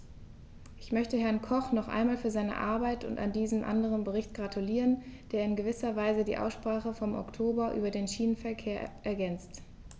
Ich möchte Herrn Koch noch einmal für seine Arbeit an diesem anderen Bericht gratulieren, der in gewisser Weise die Aussprache vom Oktober über den Schienenverkehr ergänzt.